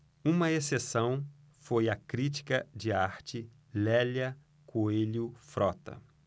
uma exceção foi a crítica de arte lélia coelho frota